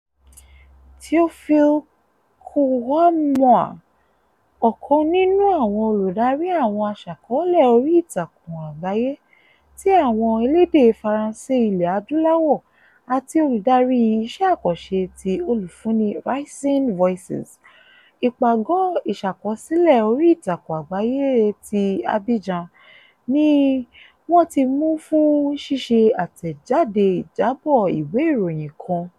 Théophile Kouamouo, ọ̀kan nínú àwọn olùdarí àwọn aṣàkọ́ọ́lẹ̀ orí ìtàkùn àgbáyé ti àwọn elédè Faransé Ilẹ̀ Adúláwò, àti olùdarí iṣẹ́ àkànṣe ti olùfúnni Rising Voices Ìpàgọ́ Ìṣàkọsílẹ̀ orí Ìtàkùn Àgbáyé ti Abidjan ni wọ́n ti mú fún ṣíṣe àtẹ̀jáde ìjábọ̀ ìwé ìròyìn kan.